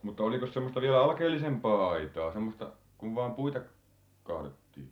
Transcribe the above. mutta olikos semmoista vielä alkeellisempaa aitaa semmoista kun vain puita kaadettiin